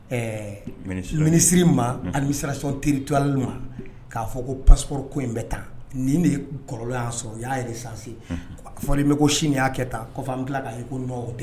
Ɛɛ minisiri ma, un, administration territoriale ma, k'a fɔ ko passeport ko in bɛ tan ,nin de ye kɔlɔlɔ yan sɔrɔ. O y'a resencer , unhun, a fɔlen bɛ ko Chine y'a kɛ tan, kɔfɛ an bɛ tila k'a reconnu non o tɛ.